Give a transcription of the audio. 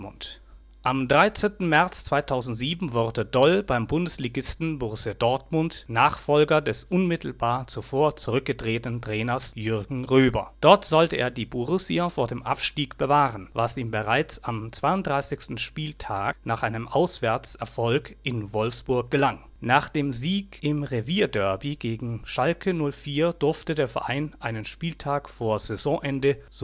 Am 13. März 2007 wurde Doll beim Bundesligisten Borussia Dortmund Nachfolger des unmittelbar zuvor zurückgetretenen Trainers Jürgen Röber. Dort sollte er die Borussia vor dem Abstieg bewahren, was ihm bereits am 32. Spieltag nach einem Auswärtserfolg in Wolfsburg gelang. Nach dem Sieg im Revierderby gegen Schalke 04 durfte der Verein einen Spieltag vor Saisonende